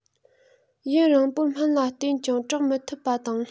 ཡུན རིང པོར སྨན ལ བསྟེན ཀྱང དྲག མི ཐུབ པ དང